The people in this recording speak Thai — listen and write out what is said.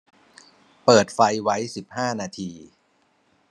เปิดไฟไว้สิบห้านาที